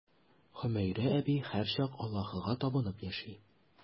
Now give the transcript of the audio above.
Хөмәйрә әби һәрчак Аллаһыга табынып яши.